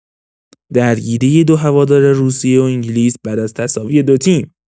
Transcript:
درگیری دو هوادار روسیه و انگلیس بعد از تساوی دو تیم